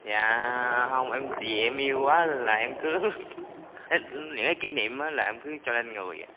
dạ hong em vì em yêu quá nên là em cứ hết lễ kỉ niệm á là em cứ cho lên người à